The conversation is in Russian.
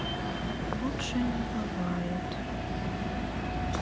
лучше не бывает